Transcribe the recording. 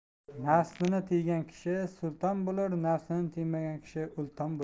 nafsini tiygan kishi sulton bo'lur nafsini tiymagan kishi ulton bo'lur